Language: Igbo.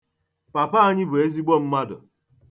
Papa anyị bụ ezigbo mmadụ